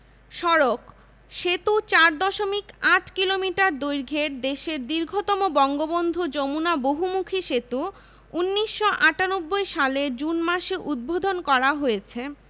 সড়কঃ সেতু ৪দশমিক ৮ কিলোমিটার দৈর্ঘ্যের দেশের দীর্ঘতম বঙ্গবন্ধু যমুনা বহুমুখী সেতু ১৯৯৮ সালের জুন মাসে উদ্বোধন করা হয়েছে